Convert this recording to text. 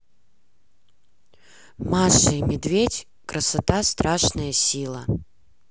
маша и медведь красота страшная сила